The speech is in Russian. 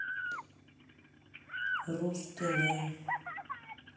рус тв